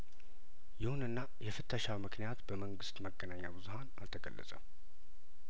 ይሁንና የፍተሻውምክንያት በመንግስት መገናኛ ብዙሀን አልተገለጸም